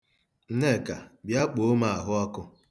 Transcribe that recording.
Nneka, bịa kpoo m ahụ ọkụ.